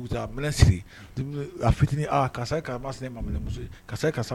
Fiinin karisa ma minɛmuso karisa